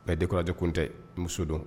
Bɛɛ dekkurajɛkun tɛ muso don